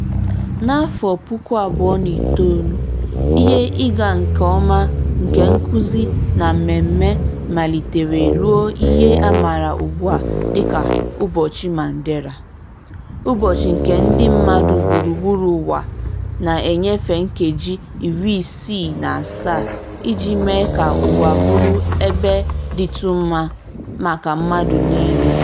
Na 2009, ihe ịga nke ọma nke nkụzi na mmemme 46664 malitere ruo ihe a maara ugbua dịka "Ụbọchị Mandela", ụbọchị nke ndị mmadụ gburugburu ụwa na-enyefe nkeji 67 iji mee ka ụwa bụrụ ebe dịtụ mma maka mmadụ niile.